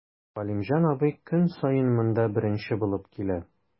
Галимҗан абый көн саен монда беренче булып килә.